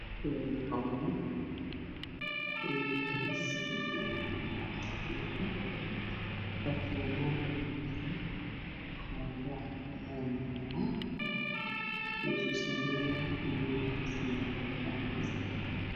Waa dukaan lagu iibiyo catarrada midabkooda waa dahabi ubax weyn oo cagaar ayaa geeska yaalo